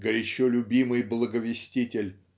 горячо любимый благовеститель